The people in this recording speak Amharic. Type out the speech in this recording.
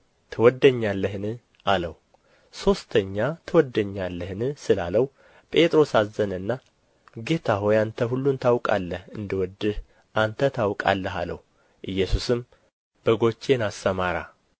ትወደኛለህን አለው ሦስተኛ ትወደኛለህን ስላለው ጴጥሮስ አዘነና ጌታ ሆይ አንተ ሁሉን ታውቃለህ እንድወድህ አንተ ታውቃለህ አለው ኢየሱስም በጎቼን አሰማራ